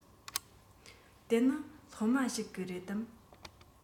དེ ནི སློབ མ ཞིག རེད དམ